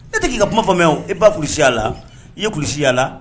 Ne tɛ k'i ka kuma faamuya o e kulusi y'a la i ye kulusi y'a la.